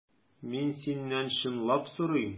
Мин синнән чынлап сорыйм.